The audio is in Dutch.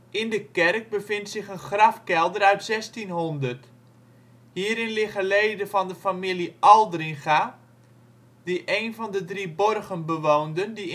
In de kerk bevindt zich een grafkelder uit 1600. Hierin liggen leden van de familie Aldringa, die een van de drie borgen bewoonden die